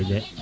i de